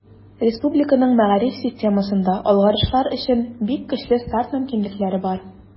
Республиканың мәгариф системасында алгарыш өчен бик көчле старт мөмкинлекләре бар.